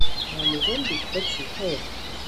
Ba Mozambiƙue ba ce kawai.